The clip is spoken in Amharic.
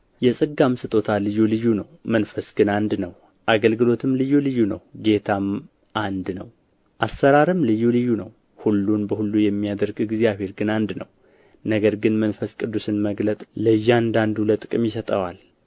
የጸጋም ስጦታ ልዩ ልዩ ነው መንፈስ ግን አንድ ነው አገልግሎትም ልዩ ልዩ ነው ጌታም አንድ ነው አሠራርም ልዩ ልዩ ነው ሁሉን በሁሉ የሚያደርግ እግዚአብሔር ግን አንድ ነው ነገር ግን መንፈስ ቅዱስን መግለጥ ለእያንዳንዱ ለጥቅም ይሰጠዋል